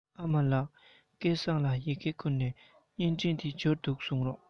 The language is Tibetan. ཨ མ ལགས སྐལ བཟང ལ ཡི གེ བསྐུར ན བརྙན འཕྲིན དེ འབྱོར འདུག གསུངས རོགས